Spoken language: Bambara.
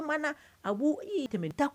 A b i tɛmɛ ta